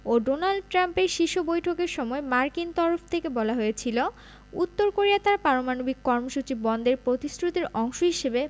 ও Donald ট্রাম্পের শীর্ষ বৈঠকের সময় মার্কিন তরফ থেকে বলা হয়েছিল উত্তর কোরিয়া তার পারমাণবিক কর্মসূচি বন্ধের প্রতিশ্রুতির অংশ হিসেবে